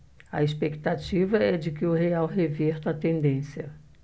a expectativa é de que o real reverta a tendência